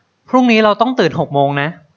พรุ่งนี้เราต้องตื่นหกโมงนะ